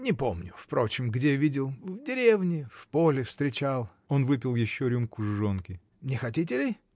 — Не помню, впрочем, где видел: в деревне, в поле встречал. Он выпил еще рюмку жжёнки. — Не хотите ли?